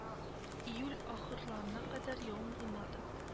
Июль ахырларына кадәр явым булмады